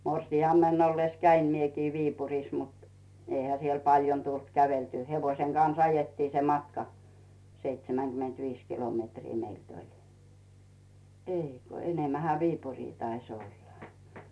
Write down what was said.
morsiamena ollessa kävin minäkin Viipurissa mutta eihän siellä paljon tullut käveltyä hevosen kanssa ajettiin se matka seitsemänkymmentäviisi kilometriä meiltä oli ei kun enemmänhän Viipuriin taisi olla